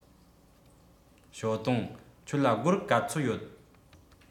ཞའོ ཏུང ཁྱོད ལ སྒོར ག ཚོད ཡོད